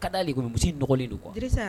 A ka'a lajɛ nɔgɔlen don kɔ